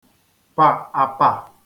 pà àpà